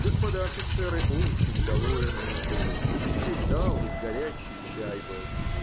Господа офицеры очень довольны им были: всегда у них горячий чай был.